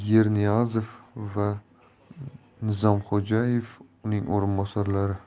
yerniyazov va nizomxo'jayev uning o'rinbosarlari